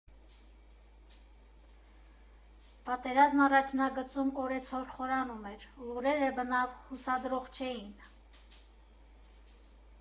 Պատերազմն առաջնագծում օրերցօր խորանում էր, լուրերը բնավ հուսադրող չէին։